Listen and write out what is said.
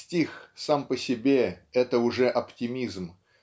стих сам по себе -- это уже оптимизм